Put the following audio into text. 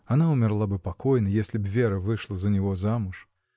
Она умерла бы покойно, если б Вера вышла за него замуж.